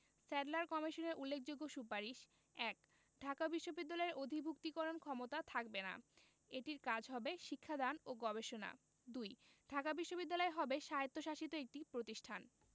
Sadler কমিশনের উল্লেখযোগ্য সুপারিশ: ১. ঢাকা বিশ্ববিদ্যালয়ের অধিভুক্তিকরণ ক্ষমতা থাকবে না এটির কাজ হবে শিক্ষা দান ও গবেষণা ২. ঢাকা বিশ্ববিদ্যালয় হবে স্বায়ত্তশাসিত একটি প্রতিষ্ঠান